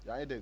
yaa ngi dégg